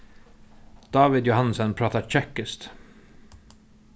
dávid johannessen prátar kekkiskt